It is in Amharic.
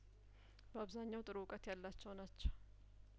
በአብዛኛው ጥሩ እውቀት ያላቸው ናቸው